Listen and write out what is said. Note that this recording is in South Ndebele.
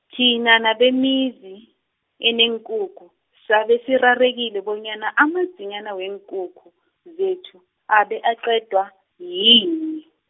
thina nabemizi, eneenkukhu, sabe sirarekile bonyana amadzinyani weenkukhu, zethu abe aqedwa, yini.